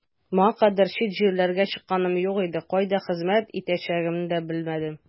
Моңа кадәр чит җирләргә чыкканым юк иде, кайда хезмәт итәчәгемне дә белмәдем.